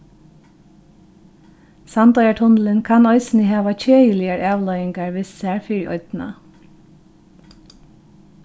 sandoyartunnilin kann eisini hava keðiligar avleiðingar við sær fyri oynna